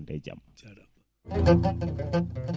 eyyi ne wayno waɗama commander